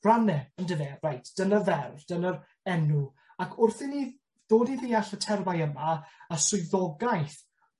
rhanne, on'd yfe? Reit dyna ferf, dyna'r enw. Ac wrth i ni ddod i ddeall y termau yma, a swyddogaeth